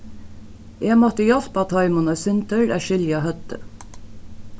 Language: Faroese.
eg mátti hjálpa teimum eitt sindur at skilja høvdið